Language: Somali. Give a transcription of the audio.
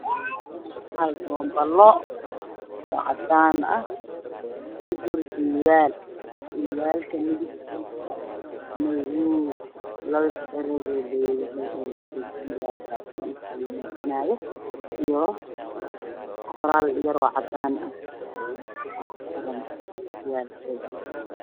Hal banbalo cadaan ah oo ku jiray surward-ka leerkiisu waa madow pompala waxaa horfadhiya laba wiil